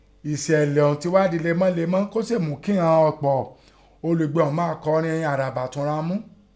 ÈÌṣẹ̀lẹ̀ ọ̀ún tẹ ghá di lemọ́lemọ́ kó sèè mi mú kí ọ̀pọ̀ ighọn olùgbé ọ̀ún máa kọrin àràbà túnra mú.